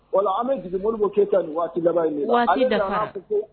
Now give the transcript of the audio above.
An bɛ jiginbolo ko keyita laban in ye